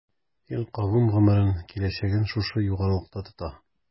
Ил-кавем гомерен, киләчәген шушы югарылык тота.